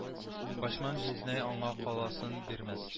Бачман җизнәй аңа каласын бирмәс